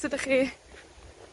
Sud 'dach chi?